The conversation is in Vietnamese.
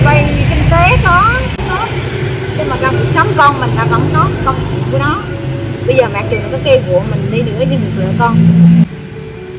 thợ may kinh tế có không phải là thích nhưng mà trong cuộc sống con mình nó có công việc của nó bây giờ mình trồng cái cây gậy mình đi nữa chứ đừng dựa con